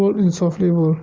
bo'l insofli bo'l